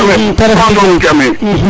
te ref ndingil